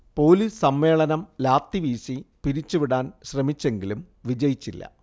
police സമ്മേളനം ലാത്തിവീശി പിരിച്ചുവിടാൻ ശ്രമിച്ചെങ്കിലും വിജയിച്ചില്ല